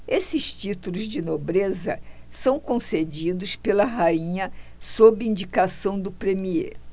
esses títulos de nobreza são concedidos pela rainha sob indicação do premiê